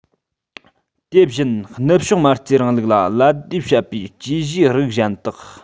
དེ བཞིན ནུབ ཕྱོགས མ རྩའི རིང ལུགས ལ ལད ཟློས བྱེད པའི ཇུས གཞིའི རིགས གཞན དག